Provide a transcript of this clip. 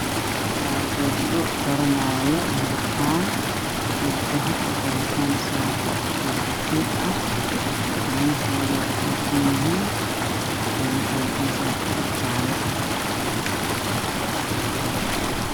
Waxaa ii muuqda gabdho harqaan talaayo harqaanka waa madow iyo oranji gabdhaha madaxoodawaa madow